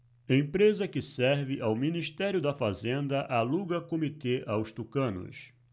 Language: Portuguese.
empresa que serve ao ministério da fazenda aluga comitê aos tucanos